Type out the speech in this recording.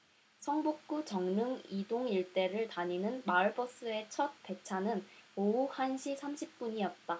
성북구 정릉 이 동 일대를 다니는 마을버스의 첫 배차는 오후 한 시 삼십 분이었다